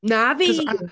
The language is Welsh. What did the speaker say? Na fi!